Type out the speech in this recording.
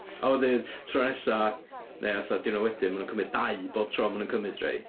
A wedyn, y tro nesa neu fatha diwrnod wedyn, maen nhw'n cymryd dau bob tro maen nhw'n cymryd rhai.